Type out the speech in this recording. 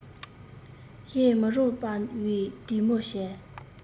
ཞེས མི རངས པའི སྡིགས མོ བྱས